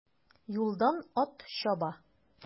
Юлдан ат чаба.